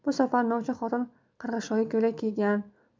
bu safar novcha xotin qarg'ashoyi ko'ylak kiygan